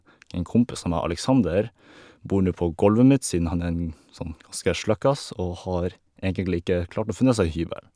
En kompis av meg, Aleksander, bor nå på golvet mitt siden han er en sånn ganske sløkkas og har egentlig ikke klart å funnet seg hybel.